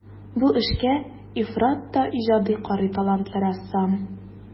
Бу эшкә ифрат та иҗади карый талантлы рәссам.